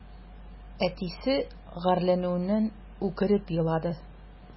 Әтисе гарьләнүеннән үкереп елады.